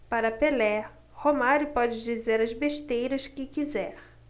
para pelé romário pode dizer as besteiras que quiser